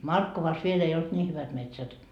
Markkovassa vielä ei ollut niin hyvät metsät